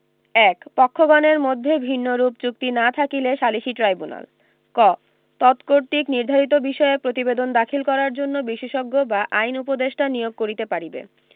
১ পক্ষগণের মধ্যে ভিন্নরূপ চুক্তি না থাকিলে সালিসী ট্রাইব্যুনাল ক তৎকর্তৃক নির্ধারিত বিষয়ে প্রতিবেদন দাখিল করার জন্য বিশেষজ্ঞ বা আইন উপদেষ্টা নিয়োগ করিতে পারিবে